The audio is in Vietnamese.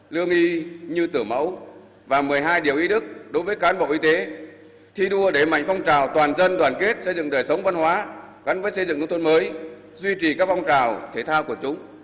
lương y như từ mẫu và mười hai điều y đức đối với cán bộ y tế thi đua đẩy mạnh phong trào toàn dân đoàn kết xây dựng đời sống văn hóa gắn với xây dựng nông thôn mới duy trì các phong trào thể thao quần chúng